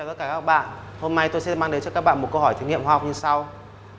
tất cả các bạn hôm nay tôi sẽ mang đến cho các bạn một câu hỏi thí nghiệm hóa học như sau